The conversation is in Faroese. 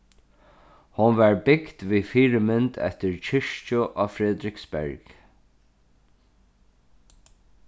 hon varð bygd við fyrimynd eftir kirkju á frederiksberg